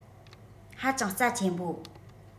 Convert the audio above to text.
ཧ ཅང རྩ ཆེན པོ